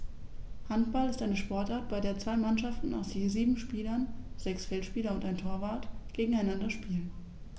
Handball ist eine Sportart, bei der zwei Mannschaften aus je sieben Spielern (sechs Feldspieler und ein Torwart) gegeneinander spielen.